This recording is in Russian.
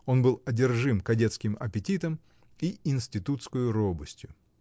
Он был одержим кадетским аппетитом и институтскою робостью.